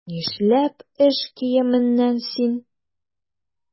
Нишләп эш киеменнән син?